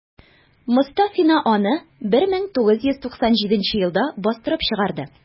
Мостафина аны 1997 елда бастырып чыгарды.